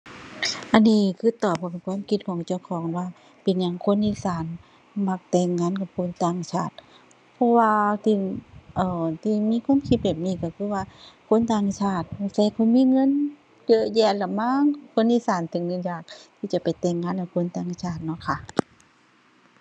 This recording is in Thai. อันนี้คือตอบเพราะเป็นความคิดของเจ้าของว่า เป็นหยังคนอีสานมักแต่งงานกับคนต่างชาติ เพราะว่าที่ เอ่อ ที่มีความคิดแบบนี้ก็คือว่า คนต่างชาติสงสัยเพิ่นมีเงินเยอะแยะล่ะมั้ง คนอีสานถึงก็อยากที่จะไปแต่งงานกับคนต่างชาติเนาะค่ะ